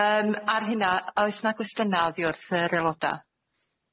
Yym ar hynna oes 'na gwestiyna oddi wrth yr aeloda?